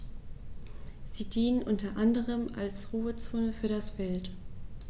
Sie dienen unter anderem als Ruhezonen für das Wild.